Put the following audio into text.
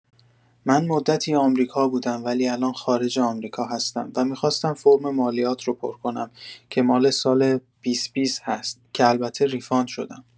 من مدتی آمریکا بودم ولی الان خارج آمریکا هستم و می‌خواستم فرم مالیات رو پر کنم که مال سال ۲۰۲۰ هست که البته ریفاند شدم.